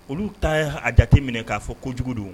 Olu taa jate minɛ k'a fɔ ko jugudu